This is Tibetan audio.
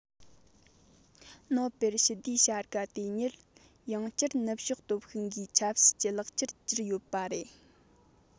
ནོ པེལ ཞི བདེའི བྱ དགའ དེ ཉིད ཡང བསྐྱར ནུབ ཕྱོགས སྟོབས ཤུགས འགའི ཆབ སྲིད ཀྱི ལག ཆར གྱུར ཡོད པ རེད